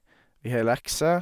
Vi har lekser.